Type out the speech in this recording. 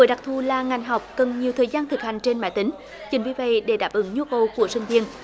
đặc thù là ngành học cần nhiều thời gian thực hành trên máy tính chính vì vậy để đáp ứng nhu cầu của sinh viêng